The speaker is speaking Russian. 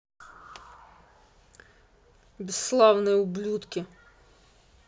беславные ублюдки